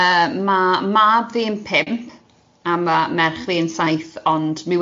Yy ma' mab fi'n pump, a ma' merch fi'n saith, ond ma'i